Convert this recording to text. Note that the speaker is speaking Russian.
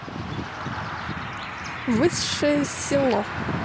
высшее село